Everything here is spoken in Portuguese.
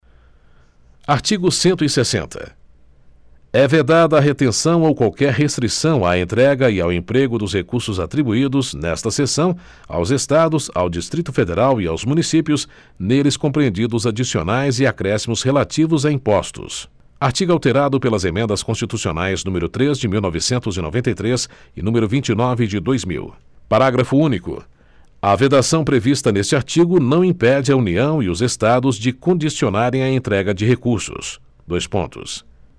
artigo cento e sessenta é vedada a retenção ou qualquer restrição à entrega e ao emprego dos recursos atribuídos nesta seção aos estados ao distrito federal e aos municípios neles compreendidos adicionais e acréscimos relativos a impostos artigo alterado pelas emendas constitucionais número três de mil novecentos e noventa e três e número vinte e nove de dois mil parágrafo único a vedação prevista neste artigo não impede a união e os estados de condicionarem a entrega de recursos dois pontos